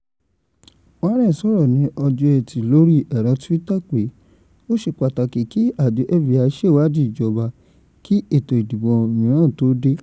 Warren sọ̀rọ̀ ní ọjọ́ ẹtì lórí ẹ̀rọ tíwítà pé ó ṣe pàtàkì kí àjọ FBI ṣe ìwádìí ìjọba kí ètò ìdìbò mìíràn tó dé."